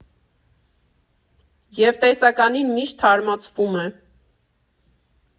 Եվ տեսականին միշտ թարմացվում է։